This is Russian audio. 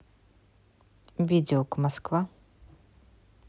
видео к москва